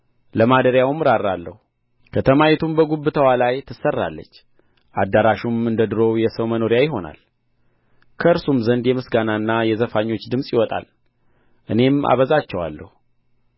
ለማደሪያውም እራራለሁ ከተማይቱም በጉብታዋ ላይ ትሠራለች አዳራሹም እንደ ዱሮው የሰው መኖሪያ ይሆናል ከእርሱም ዘንድ የምስጋናና የዘፋኞች ድምፅ ይወጣል እኔም አበዛቸዋለሁ